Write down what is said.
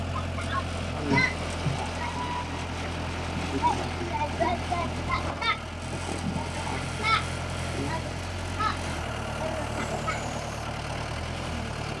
Meeshan waxaa ka muuqda maamo wadato dahab jaale ah oo wadato haddays ah waxaa ag yaalo laabtoop iyo biyo watar ah